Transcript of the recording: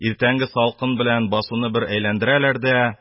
Иртәнге салкын белән басуны бер әйләндерәләр дә,